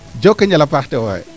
joko njal a paax tewoxe